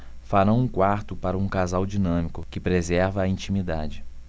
farão um quarto para um casal dinâmico que preserva a intimidade